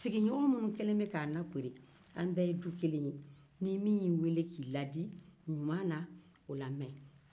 sigiɲɔgɔn minnu kɛlen don k'an lakoori an bɛɛ ye du kelen ni min y'i weele k'i ladi ɲumana na a lamɛn